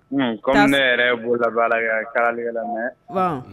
Umu comme tas ne yɛrɛ ye bololabaarakɛla ye kalalikɛla mais bon